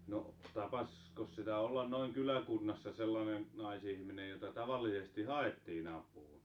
no tapasiko sitä olla noin kyläkunnassa sellainen naisihminen jota tavallisesti haettiin apuun